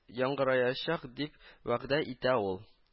Яңгыраячак дип вәгъдә итә ул